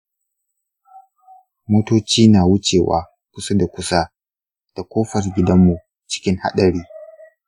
motoci na wucewa kusa-kusa da kofar gidanmu cikin haɗari.